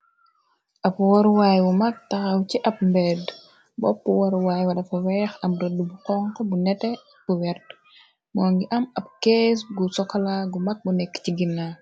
Ab waruwaay bu mag taxaw ci ab mbedd bopp waruwaay wara fa weex ab rëdd bu xonx bu nete bu wert moo ngi am ab kéez gu sokala gu mag bu nekk ci gina.